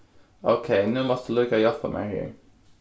ókey nú mást tú líka hjálpa mær her